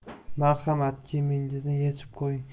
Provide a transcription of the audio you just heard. marhamat kiyimingizni yechib qo'ying